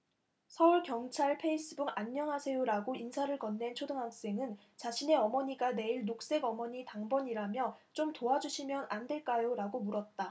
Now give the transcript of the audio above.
서울 경찰 페이스북안녕하세요라고 인사를 건넨 초등학생은 자신의 어머니가 내일 녹색 어머니 당번이라며 좀 도와주시면 안될까요라고 물었다